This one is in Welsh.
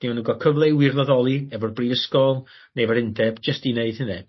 'di ma' nw'n ga'l cyfle i wirfoddoli efo'r brifysgol neu efo'r undeb jyst i neud hynny.